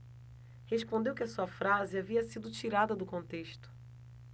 respondeu que a sua frase havia sido tirada do contexto